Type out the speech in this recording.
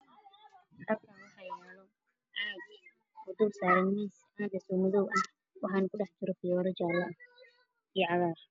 Halkaani waxa yaalo caad oo dulsaaran miis caadaasoo oo madow ah waxaana ku dhex jiro firooro jaalla ah iyo cagaar .